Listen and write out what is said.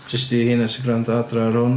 Jyst i rheina sy'n gwrando adra ar hwn...